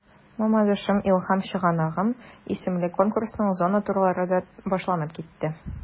“мамадышым–илһам чыганагым” исемле конкурсның зона турлары да башланып китте.